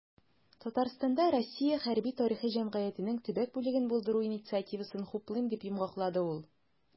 "татарстанда "россия хәрби-тарихи җәмгыяте"нең төбәк бүлеген булдыру инициативасын хуплыйм", - дип йомгаклады ул.